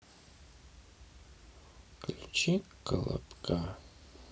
включи колобка